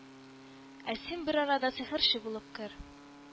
Ә син бер арада сихерче булып кер